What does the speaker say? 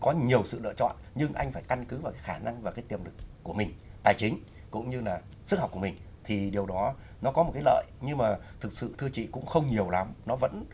có nhiều sự lựa chọn nhưng anh phải căn cứ vào cái khả năng và cái tiềm lực của mình tài chính cũng như là sức học của mình thì điều đó nó có một cái lợi nhưng mà thực sự thưa chị cũng không nhiều lắm nó vẫn